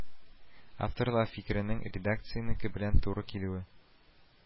Авторлар фикеренең редакциянеке белән туры килүе